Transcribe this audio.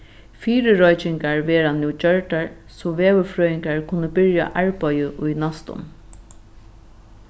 fyrireikingar verða nú gjørdar so veðurfrøðingar kunnu byrja arbeiðið í næstum